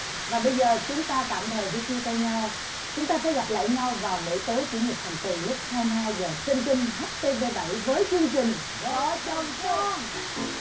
và bây giờ chúng ta tạm thời phải chia tay nhau chúng ta sẽ gặp lại nhau vào mỗi tối chủ nhật hàng tuần lúc hai mươi hai giờ trên kênh hát tê vê bảy với chương trình vợ chồng son